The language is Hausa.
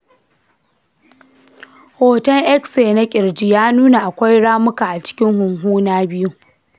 hoton x-ray na kirji ya nuna akwai ramuka a cikin huhuna biyu.